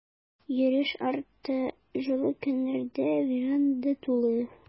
Йөреш артты, җылы көннәрдә веранда тулы.